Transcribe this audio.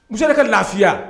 N sina ka lafiya